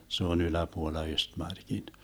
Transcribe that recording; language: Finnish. se on yläpuolella Östmarkin